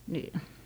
niin